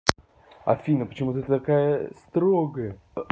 афина почему ты строгая